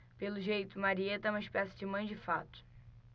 pelo jeito marieta é uma espécie de mãe de fato